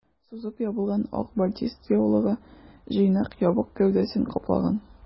Сузып ябылган ак батист яулыгы җыйнак ябык гәүдәсен каплаган.